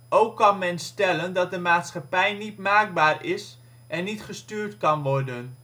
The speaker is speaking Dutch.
Ook kan men stellen dat de maatschappij niet maakbaar is en niet gestuurd kan worden